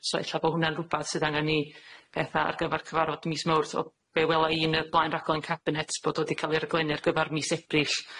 So ella bo hwnna'n rwbeth sydd angen i betha ar gyfer cyfarfod mis Mowrth. O fe wela i yn y blaenraglen cabinet, bod o 'di ca'l ei raglennu ar gyfar mis Ebrill.